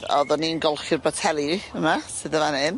Oeddwn i'n golchi'r boteli yma sydd yn fan 'yn.